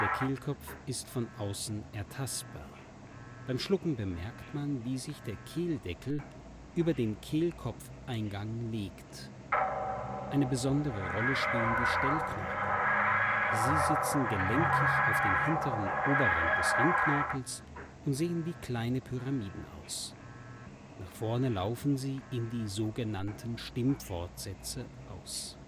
Kehlkopf ist von außen ertastbar. Beim Schlucken bemerkt man, wie sich der Kehldeckel über den Kehlkopfeingang legt. Eine besondere Rolle spielen die Stellknorpel. Sie sitzen gelenkig auf dem hinteren Oberrand des Ringknorpels und sehen wie kleine Pyramiden aus. Nach vorne laufen sie in die so genannten Stimmfortsätze aus